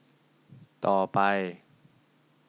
ต่อไป